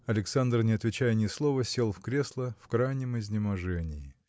Александр, не отвечая ни слова, сел в кресла в крайнем изнеможении.